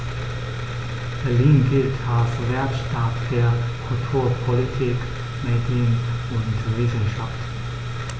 Berlin gilt als Weltstadt der Kultur, Politik, Medien und Wissenschaften.